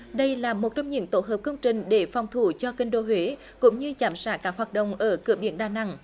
đây là một trong những tổ hợp công trình để phòng thủ cho kinh đô huế cũng như giám sát các hoạt động ở cửa biển đà nẵng